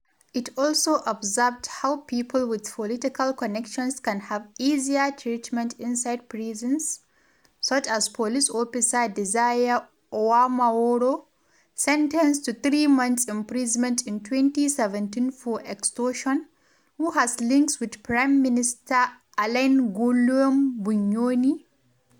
It also observed how people with political connections can have easier treatment inside prisons, such as police officer Désiré Uwamahoro — sentenced to three months imprisonment in 2017 for extortion — who has links with Prime Minister Alain Guillaume Bunyoni.